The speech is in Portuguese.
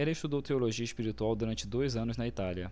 ela estudou teologia espiritual durante dois anos na itália